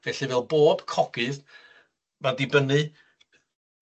Felly fel bob cogydd ma'n dibynnu